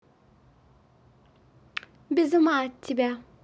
без ума от тебя